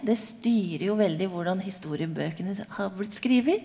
det styrer jo veldig hvordan historiebøkene har blitt skrevet.